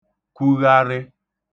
kwugharị